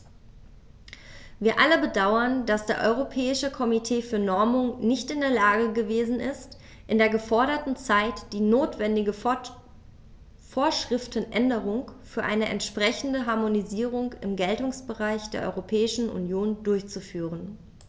Wir alle bedauern, dass das Europäische Komitee für Normung nicht in der Lage gewesen ist, in der geforderten Zeit die notwendige Vorschriftenänderung für eine entsprechende Harmonisierung im Geltungsbereich der Europäischen Union durchzuführen.